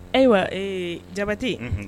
Ayiwa jabate